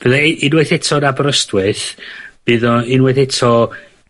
Fyddai unwaith eto y Aberystwyth. Bydd o unwaith eto